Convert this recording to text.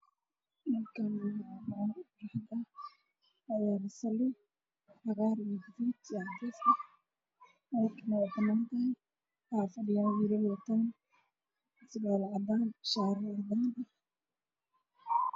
Meeshaan waxaa fadhiya arday waxa ay qabaan dharcad cad